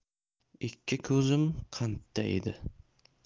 ikki ko'zim qandda edi